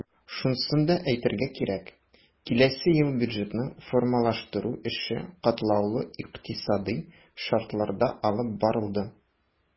Шунысын да әйтергә кирәк, киләсе ел бюджетын формалаштыру эше катлаулы икътисадый шартларда алып барылды.